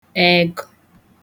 egụ